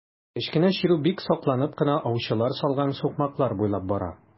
Кечкенә чирү бик сакланып кына аучылар салган сукмаклар буйлап бара.